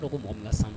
Dɔw ko bonna san